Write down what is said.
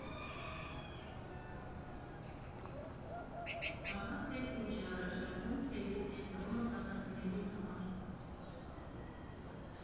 Ահա, թե ինչ է առաջարկում «Թելիկ» կենտրոնը պատանիների համար.